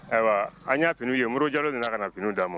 Ayiwa an y'a f ye muru ja nana ka na fini d'a ma